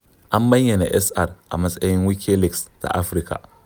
An bayyana SR a matsayin Wikileaks ta Afirka.